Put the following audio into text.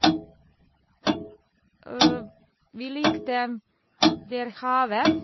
Vi likte det er havet.